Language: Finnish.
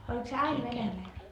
oliko se aina venäläinen